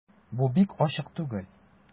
Бу бик ачык түгел...